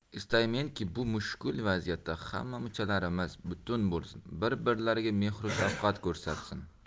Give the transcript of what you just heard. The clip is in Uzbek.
istaymenki bu mushkul vaziyatda hamma muchalarimiz butun bo'lsin bir birlariga mehru shafqat ko'rsatsin